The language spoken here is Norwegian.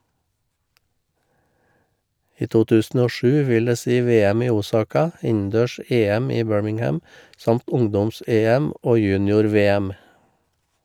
I 2007 vil det si VM i Osaka , innendørs-EM i Birmingham, samt ungdoms-EM og junior-VM.